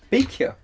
Beicio?